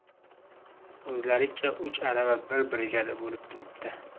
o'zlaricha uch arava bir brigada bo'lib turibdi